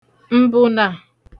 m̀bụ̀nà